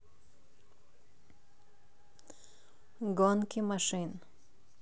гонки машин